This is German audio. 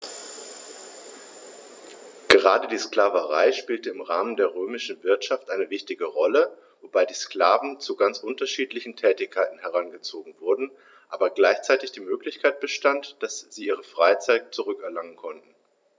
Gerade die Sklaverei spielte im Rahmen der römischen Wirtschaft eine wichtige Rolle, wobei die Sklaven zu ganz unterschiedlichen Tätigkeiten herangezogen wurden, aber gleichzeitig die Möglichkeit bestand, dass sie ihre Freiheit zurück erlangen konnten.